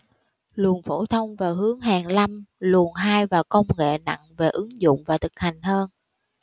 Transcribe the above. luồng phổ thông vào hướng hàn lâm luồng hai vào công nghệ nặng về ứng dụng và thực hành hơn